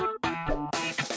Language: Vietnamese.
phẩm